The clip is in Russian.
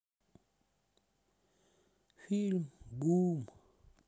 фильм бум